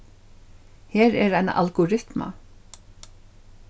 her er ein algoritma